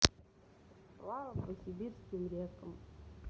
сплава по сибирским рекам